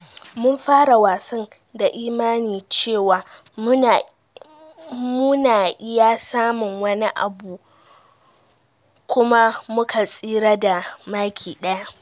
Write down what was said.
"Mun fara wasan da imani cewa mu na iya samun wani abu kuma muka tsira da maki daya